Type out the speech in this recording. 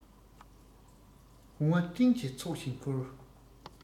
བུང བ སྤྲིན གྱི ཚོགས བཞིན འཁོར